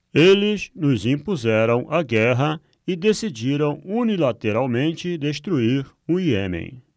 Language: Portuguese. eles nos impuseram a guerra e decidiram unilateralmente destruir o iêmen